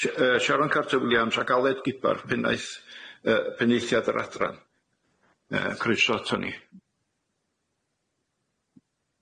Sh- yy Sharon Carter-Williams ac Aled Gibar pennaeth yy pennaethiad yr adran yy croeso ato ni.